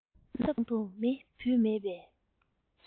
ལྕགས ཐབ ནང དུ མེ བུད མེད པས